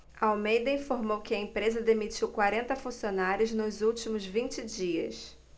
almeida informou que a empresa demitiu quarenta funcionários nos últimos vinte dias